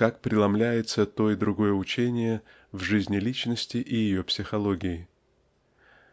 как преломляется то и другое учение в жизни личности и ее психологии.